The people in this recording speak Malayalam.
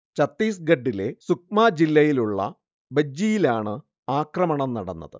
ഛത്തീസ്ഗഢിലെ സുക്മ ജില്ലയിലുള്ള ബെജ്ജിയിലാണ് ആക്രമണം നടന്നത്